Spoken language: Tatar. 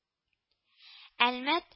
Әлмәт